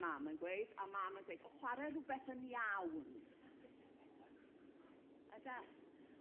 mam yn gweud a mam yn gwneud o chwar'e r'wbeth yn iawn ynde?